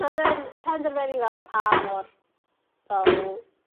...ma' fe'n pendefynu fel pa mor fel